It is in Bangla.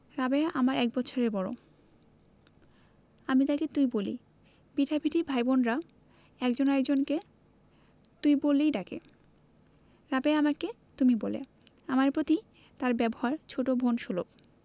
রাবেয়া আমার এক বৎসরের বড় আমি তাকে তুই বলি পিঠাপিঠি ভাই বোনের একজন আরেক জনকে তুই বলেই ডাকে রাবেয়া আমাকে তুমি বলে আমার প্রতি তার ব্যবহার ছোট বোন সুলভ